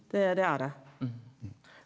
det det er det.